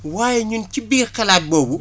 waaw ñun ci biir xalaat boobu